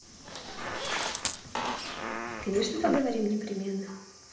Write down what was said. конечно поговорим непременно